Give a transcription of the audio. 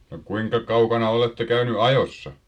no kuinka kaukana olette käynyt ajossa